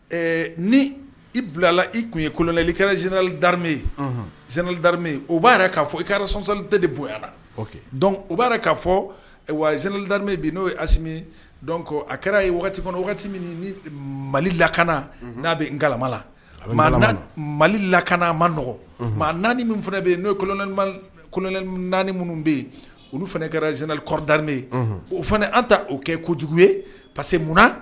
Ni i bilala i tun ye kolonlɛli kɛra zeinali damɛ ye zeli da o b'a'a fɔ i kɛra sonsɔli tɛ de bonya la u b'a'a fɔ wa zelidame n'o ye a dɔn kɔ a kɛra ye waati kɔnɔ wagati min ni mali lakana n'a bɛ kalalamala mali lakana ma n nɔgɔ maa naani min fana bɛ yen n'o naani minnu bɛ yen olu fana kɛra zeinali kɔrɔ dar ye o fana an ta oo kɛ kojugu ye parce que munna